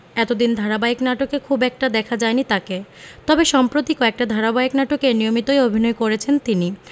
এতদিন ধারাবাহিক নাটকে খুব একটা দেখা যায়নি তাকে তবে সম্প্রতি কয়েকটা ধারাবাহিক নাটকে নিয়মিতই অভিনয় করছেন তিনি